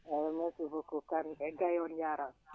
eyyi merci beaucoup Kane e Gaye on jaarama